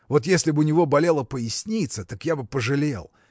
Вот если б у него болела поясница, так я бы пожалел